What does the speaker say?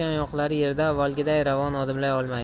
yerda avvalgiday ravon odimlay olmaydi